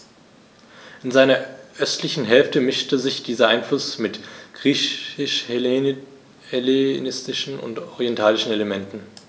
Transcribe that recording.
In seiner östlichen Hälfte mischte sich dieser Einfluss mit griechisch-hellenistischen und orientalischen Elementen.